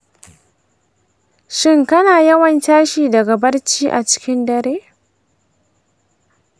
shin kana yawan tashi daga barci a cikin dare?